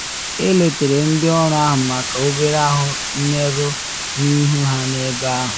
Eletere ndị ọrụ ahụ maka obere ahụ mmerụ n’ihu ha n’ebe ahụ.